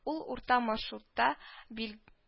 Ул урта маршрутта бил